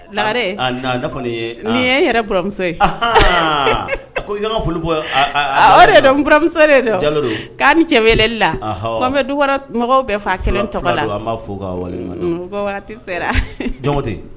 Lakare a n a i n'a fɔ nin yee han nin ye n yɛrɛ baramuso ye anhaaaan ko i ka ŋa foli fɔ a a o de don n buramuso de don Diallo don k'a ni k'a ni ce weeleli la ahɔɔ kɔ n be du kɔkɔnɔ t mɔgɔw bɛɛ fɔ a 1 tɔgɔ la fula fula don an' b'a fo k'a waleɲuman dɔn un ko waati sera jɔn ŋo ten